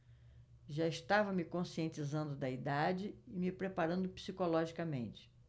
já estava me conscientizando da idade e me preparando psicologicamente